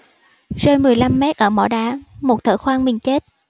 rơi mười lăm mét ở mỏ đá một thợ khoan mìn chết